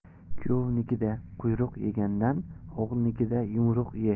kuyovnikida quyruq yegandan o'g'ilnikida yumruq ye